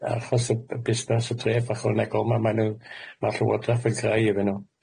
Achos y y busnas y dreth ychwanegol ma' ma' nw ma'r llywodraeth yn creu iddyn nw.